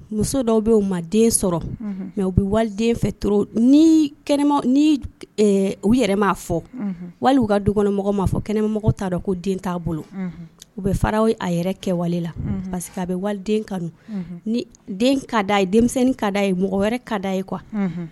Muso dɔw bɛ u ma den sɔrɔ mɛ u bɛ waliden fɛ to u yɛrɛ ma fɔ wali u ka dukɔnɔmɔgɔ ma fɔ kɛnɛmɔgɔ t'a dɔn ko den t'a bolo u bɛ fara a yɛrɛ kɛ wale la parce que bɛ waliden kanu ka da a ye denmisɛnnin ka da a ye mɔgɔ wɛrɛ ka da a ye kuwa